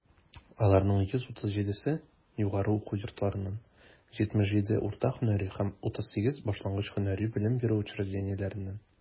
Аларның 137 се - югары уку йортларыннан, 77 - урта һөнәри һәм 38 башлангыч һөнәри белем бирү учреждениеләреннән.